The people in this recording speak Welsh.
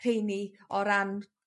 rheini o ran